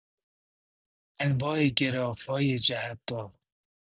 انواع گراف‌های جهت‌دار